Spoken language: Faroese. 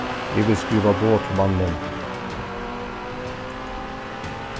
eg vil skriva boð til mannin